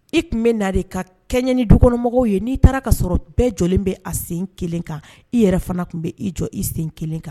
I tun bɛ na de ka kɛɲɛani dukɔnɔmɔgɔw ye n'i taara ka sɔrɔ bɛɛ jɔlen bɛ a sen kelen kan i yɛrɛ fana tun bɛ i jɔ i sen kelen kan